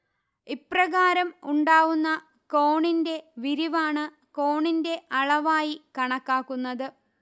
ഇപ്രകാരം ഉണ്ടാവുന്ന കോണിന്റെ വിരിവാണ് കോണിന്റെ അളവായി കണക്കാക്കുന്നത്